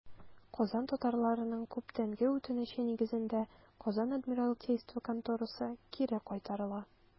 Казан татарларының күптәнге үтенече нигезендә, Казан адмиралтейство конторасы кире кайтарыла.